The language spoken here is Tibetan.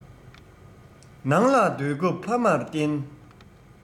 ནང ལ སྡོད སྐབས ཕ མར བརྟེན